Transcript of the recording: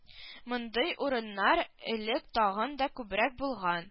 Мондый урыннар элек тагын да күбрәк булган